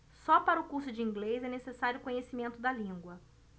só para o curso de inglês é necessário conhecimento da língua